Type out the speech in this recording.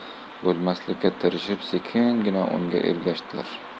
xayolini bo'lmaslikka tirishib sekingina unga ergashdilar